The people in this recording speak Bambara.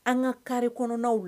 An ka carré kɔnɔnaw la